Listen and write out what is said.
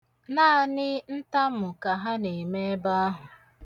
Naanị ntamụ ka ha na-eme ebe ahụ.